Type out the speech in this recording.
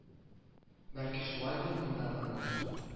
Бәлки шулайдыр ул монда гынадыр